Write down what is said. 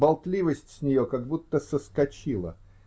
Болтливость с нее как будто соскочила.